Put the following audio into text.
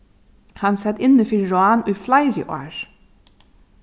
hann sat inni fyri rán í fleiri ár